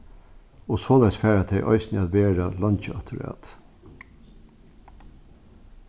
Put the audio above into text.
og soleiðis fara tey eisini at vera leingi afturat